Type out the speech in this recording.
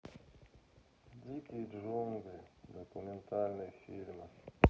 дикие джунгли документальные фильмы